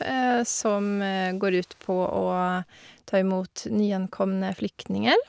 Som går ut på å ta imot nyankomne flyktninger.